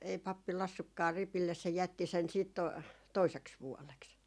- ei pappi laskenutkaan ripille se jätti sen sitten - toiseksi vuodeksi